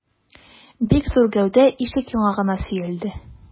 Бик зур гәүдә ишек яңагына сөялде.